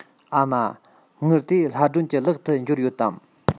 ཨ མ དངུལ དེ ལྷ སྒྲོན གྱི ལག ཏུ འབྱོར ཡོད དམ